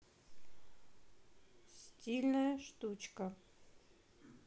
стильная штучка